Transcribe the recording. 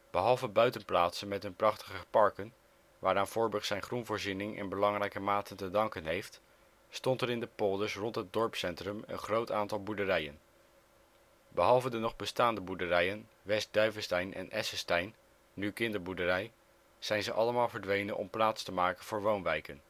Behalve buitenplaatsen met hun prachtige parken, waaraan Voorburg zijn groenvoorziening in belangrijke mate te danken heeft, stond er in de polders rond het dorpscentrum een groot aantal boerderijen. Behalve de nog bestaande boerderijen West-Duyvesteijn en Essesteijn, nu kinderboerderij, zijn ze allemaal verdwenen om plaats te maken voor woonwijken